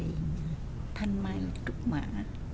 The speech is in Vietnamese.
thanh mai trúc mã